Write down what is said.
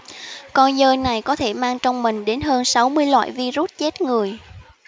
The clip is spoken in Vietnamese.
con dơi này có thể mang trong mình đến hơn sáu mươi loại virus chết người